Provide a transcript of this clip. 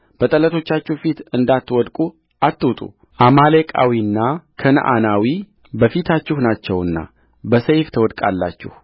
በጠላቶቻችሁ ፊት እንዳትወድቁ አትውጡአማሌቃዊና ከነዓናዊ በፊታችሁ ናቸውና በሰይፍ ትወድቃላችሁ